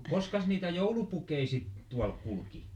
koskas niitä joulupukkeja sitten tuolla kulki